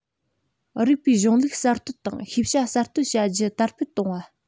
རིགས པའི གཞུང ལུགས གསར གཏོད དང ཤེས བྱ གསར གཏོད བྱ རྒྱུ དར སྤེལ གཏོང བ